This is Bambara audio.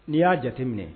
N'i y'a jate minɛ